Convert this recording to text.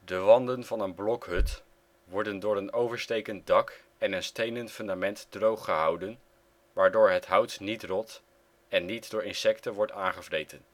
wanden van een blokhut worden door een overstekend dak en een stenen fundament droog gehouden, waardoor het hout niet rot en niet door insecten wordt aangevreten